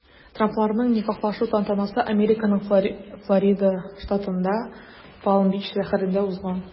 Трампларның никахлашу тантанасы Американың Флорида штатында Палм-Бич шәһәрендә узган.